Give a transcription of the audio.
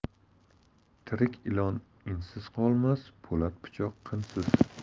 tirik ilon insiz qolmas po'lat pichoq qinsiz